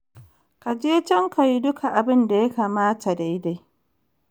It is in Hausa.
ka je can kayi duka abun da ya kamata daidai.